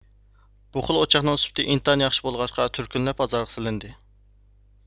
بۇ خىل ئوچاقنىڭ سۈپىتى ئىقتىدارى ياخشى بولغاچقا تۈركۈملەپ بازارغا سېلىندى